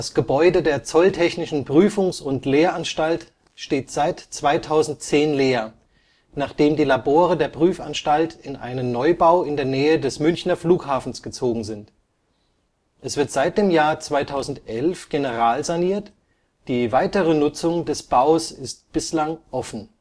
Gebäude der zolltechnischen Prüfungs - und Lehranstalt steht seit 2010 leer, nachdem die Labore der Prüfanstalt in einen Neubau in der Nähe des Münchner Flughafens gezogen sind. Es wird seit 2011 generalsaniert; die weitere Nutzung des Baus ist bislang offen